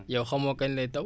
yow xamoo kañ lay taw